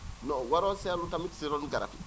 non waroo seelu tamit si ron garab yi